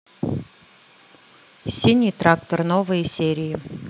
синий трактор новые серии